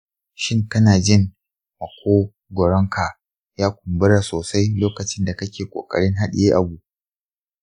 shin kana jin makogwaronka ya kumbura sosai lokacin da kake ƙoƙarin hadiye abu?